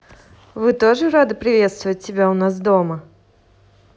вы тоже рады приветствовать тебя у нас дома